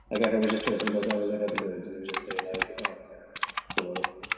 Like everyone was just talking about all their other birds and he was just there like "oh, yeah, cool".